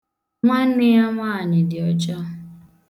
Nwanne ya nwaanyị dị ọcha.